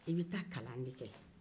i bɛ taa kalan de kɛ